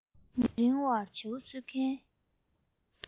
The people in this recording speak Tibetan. མི རིང བར བྱིའུ གསོད མཁན